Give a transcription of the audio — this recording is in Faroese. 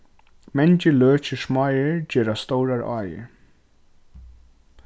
mangir løkir smáir gera stórar áir